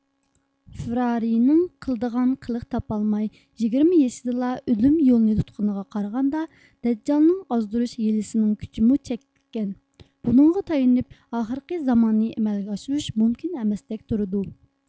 فىرارينىڭ قىلدىغان قىلىق تاپالماي يىگىرمە يېشىدىلا ئۆلۈم يولنى تۇتقىنىغا قارىغاندا دەججالنىڭ ئازدۇرۇش ھىيلىسىنىڭ كۈچىمۇ چەكلىككەن بۇنىڭغا تايىنىپ ئاخىرقى زاماننى ئەمەلگە ئاشۇرۇش مۇمكىن ئەمەستەك تۇرىدۇ